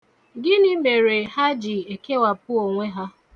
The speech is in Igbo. Gịnị mere ha ji ekewapụ onwe ha.